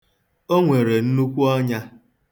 O nwere nnukwu ọnya.